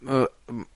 My' m-.